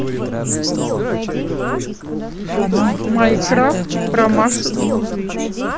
майнкрафт про машу и медведь